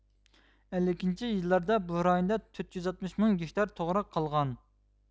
ئەللىكىنچى يىللاردا بۇ رايوندا تۆتيۈز ئاتمىش مىڭ گېكتار توغراق قالغان